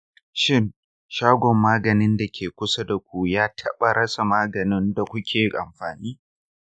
shin shagon maganin da ke kusa daku ya taɓa rasa maganin da kuke amfani?